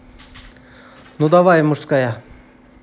ну давай мужская